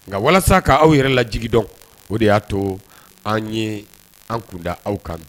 Nka walasa k'aw yɛrɛ la jigi dɔn o de y'a to an ye an kunda aw kan